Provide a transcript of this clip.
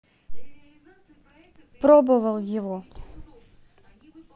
пробовал его